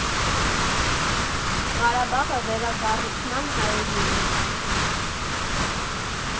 Ղարաբաղը վերակառուցման հայելին է։